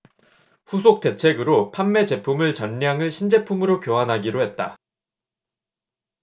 후속 대책으로 판매 제품 전량을 신제품으로 교환하기로 했다